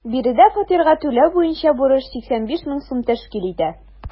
Биредә фатирга түләү буенча бурыч 85 мең сум тәшкил итә.